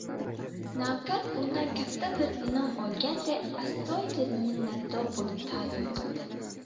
navkar undan katta bir inom olganday astoydil minnatdor bo'lib tazim qildi